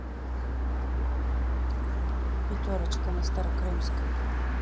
пятерочка на старокрымской